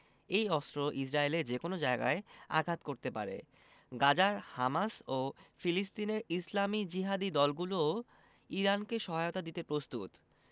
এই অস্ত্র ইসরায়েলের যেকোনো জায়গায় আঘাত করতে পারে গাজার হামাস ও ফিলিস্তিনের ইসলামি জিহাদি দলগুলোও ইরানকে সহায়তা দিতে প্রস্তুত